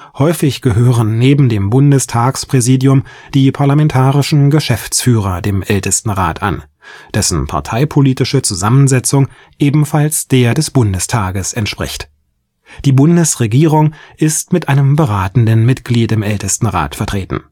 Häufig gehören neben dem Bundestagspräsidium die Parlamentarischen Geschäftsführer dem Ältestenrat an, dessen parteipolitische Zusammensetzung ebenfalls der des Bundestages entspricht. Die Bundesregierung ist mit einem beratenden Mitglied im Ältestenrat vertreten